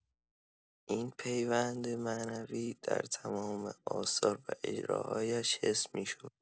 این پیوند معنوی در تمام آثار و اجراهایش حس می‌شد.